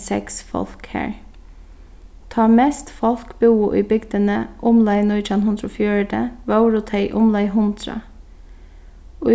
seks fólk har tá mest fólk búðu í bygdini umleið nítjan hundrað og fjøruti vóru tey umleið hundrað